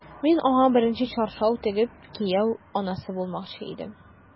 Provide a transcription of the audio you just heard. Мин аңа беренче чаршау тегеп, кияү анасы булмакчы идем...